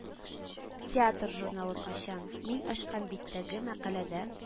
«театр» журналын ачам, мин ачкан биттәге мәкаләдә